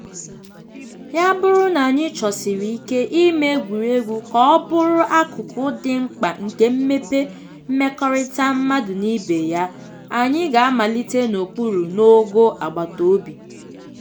Ya bụrụ na anyị chọsiri ike ime egwuregwu ka ọ bụrụ akụkụ dị mkpa nke mmepe mmekọrịta mmadụ na ibe ya, anyị ga-amalite n'okpuru, n'ogo agbataobi.